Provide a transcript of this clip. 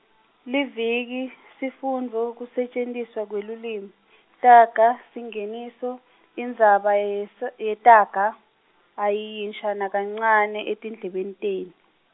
Liviki, sifundvo, kusetjentiswa kwelulwimi, taga, singeniso, indzaba yes- yetaga ayiyinsha nakancane etindlebeni tenu.